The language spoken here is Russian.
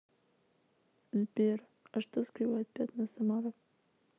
сбер а что скрывает пятна самара